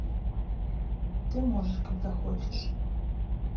ты можешь когда хочешь